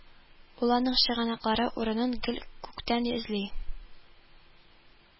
Ул аның чыганаклары, урынын гел күктән эзли